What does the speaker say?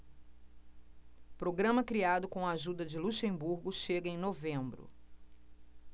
programa criado com a ajuda de luxemburgo chega em novembro